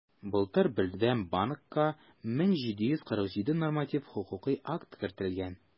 Былтыр Бердәм банкка 1747 норматив хокукый акт кертелгән.